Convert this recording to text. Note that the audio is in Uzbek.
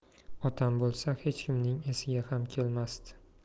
otam bo'lsa hech kimning esiga ham kelmasdi